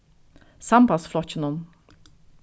sambandsflokkinum